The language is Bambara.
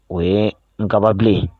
O ye nkaba bilen.